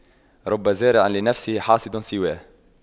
رب زارع لنفسه حاصد سواه